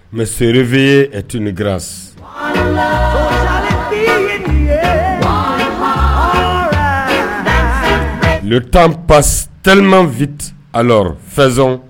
Mɛ seri bɛ ɛtkura lu tan pa teeliman fi a fɛson